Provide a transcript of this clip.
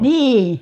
niin